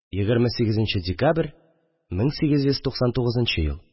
28 нче декабрь, 1899 ел